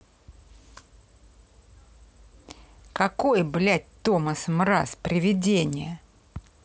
какой блядь thomas mraz привидения